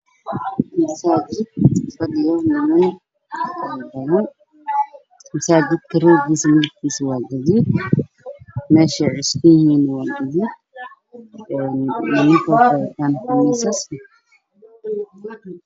Meeshaan waa meel masaajid ah saxaafadiyaan niman badan xoogii ku fadhiyaan oo guduud meesha cusub yihiin waa guduud waxa ka dambeeyana miisaas